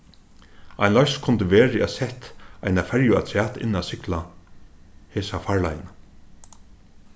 ein loysn kundi verið at sett eina ferju afturat inn at sigla hesa farleiðina